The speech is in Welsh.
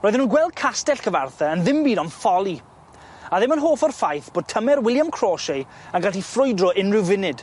Roedden nhw'n gweld castell Cyfartha yn ddim byd ond ffoli, a ddim yn hoff o'r ffaith bod tymer William Crauchete yn gallu ffrwydro unrhyw funud.